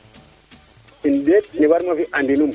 im ndet ke warma fi andi num